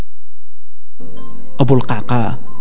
ابو القعقاع